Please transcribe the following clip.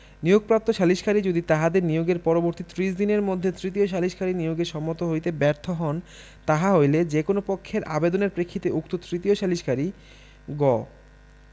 নিয়োগপ্রাপ্ত সালিসকারী যদি তাহাদের নিয়োগের পরবর্তি ত্রিশ দিনের মধ্যে তৃতীয় সালিসকারী নিয়োগে সম্মত হইতে ব্যর্থ হন তাহা হইলে যে কোন পক্ষের আবেদনের প্রেক্ষিতে উক্ত তৃতীয় সালিসকারী গ